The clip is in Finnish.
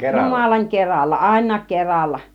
jumalan keralla ainakin keralla